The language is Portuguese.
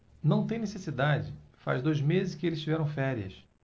não tem necessidade faz dois meses que eles tiveram férias